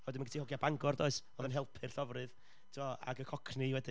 wedyn ma' gen ti hogiau Bangor does, oedd yn helpu'r llofrudd, tibod, ac y cockney wedyn.